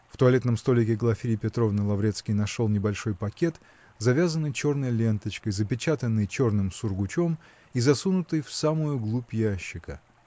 В туалетном столике Глафиры Петровны Лаврецкий нашел небольшой пакет, завязанный черной ленточкой, запечатанный черным сургучом и засунутый в самую глубь ящика.